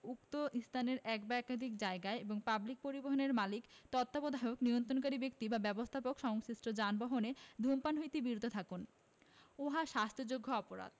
উক্ত স্থানের এক বা একাধিক জায়গায় এবং পাবলিক পরিবহণের মালিক তত্ত্বাবধায়ক নিয়ন্ত্রণকারী ব্যক্তি বা ব্যবস্থাপক সংশ্লিষ্ট যানবাহনে ধূমপান হইতে বিরত থাকুন উহা শাস্তিযোগ্য অপরাধ